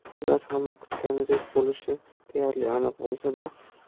xullas hammasi kutilganidek bo'lishi deyarli aniq bo'lsa